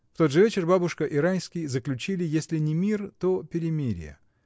В тот же вечер бабушка и Райский заключили если не мир, то перемирие.